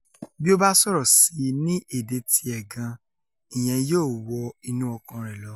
Bí o bá sọ̀rọ̀ sí i ní èdè tiẹ gan-aṇ̀ ìyẹn yóò wọ inú ọkàn rẹ lọ.''